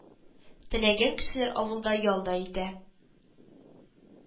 Теләгән кешеләр авылда ял да итә